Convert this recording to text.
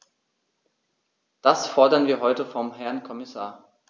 Das fordern wir heute vom Herrn Kommissar.